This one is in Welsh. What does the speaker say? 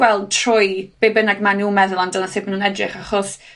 gweld trwy be' bynnag ma' nw'n meddwl amdan a sut ma' nw'n edrych achos